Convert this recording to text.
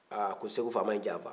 aa a ko segu faama ye n janfa